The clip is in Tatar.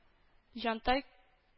Җантай